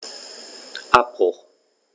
Abbruch.